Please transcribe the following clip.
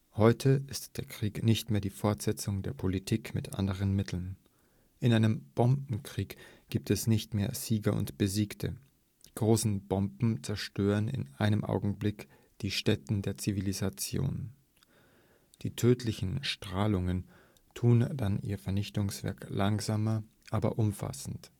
Heute ist der Krieg nicht mehr ‚ die Fortsetzung der Politik mit anderen Mitteln ‘. In einem Bombenkrieg gibt es nicht mehr Sieger und Besiegte. Die großen Bomben zerstören in einem Augenblick die Stätten der Zivilisation. Die tödlichen Strahlungen tun dann ihr Vernichtungswerk langsamer, aber umfassend